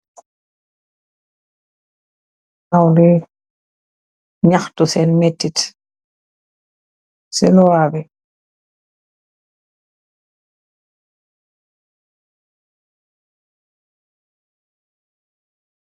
Ndaw li ñaxtu sèèn metit ci luwa bi.